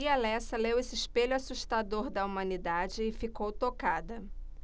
bia lessa leu esse espelho assustador da humanidade e ficou tocada